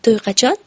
to'y qachon